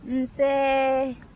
nse